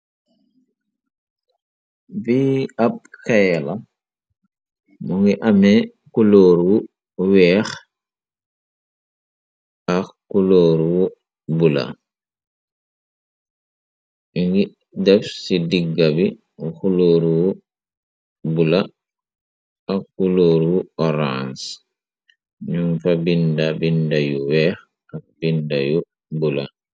vi ab xayala mu ngi amee ku lóorwu weexax ku lóorwu bula yu ngi def ci digga bi xulóor wu bula ax ku lóorwu orang num fa binda binda yu weex ak binda yu bula.